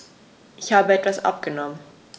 Ich habe etwas abgenommen.